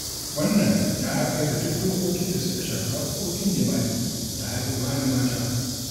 Wannan ya haɗar da duk dokokin da suka shafi haƙƙoƙin jima'i da haihuwa na mata.